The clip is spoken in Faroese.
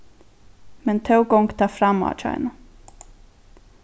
men tó gongur tað framá hjá henni